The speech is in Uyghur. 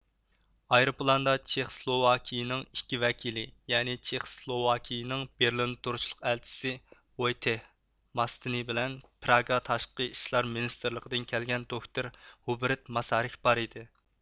ئايروپىلاندا چېخسلوۋاكىيىنىڭ ئىككى ۋەكىلى يەنى چېخسلوۋاكىيىنىڭ بېرلىندا تۇرۇشلۇق ئەلچىسى ۋويتېھ ماستنى بىلەن پراگا تاشقى ئىشلار مىنىستىرلىقىدىن كەلگەن دوكتور ھۇبېرت ماسارىك بار ئىدى